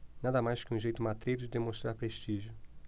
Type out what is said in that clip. nada mais que um jeito matreiro de demonstrar prestígio